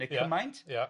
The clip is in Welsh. Neu cymaint. Ia ia.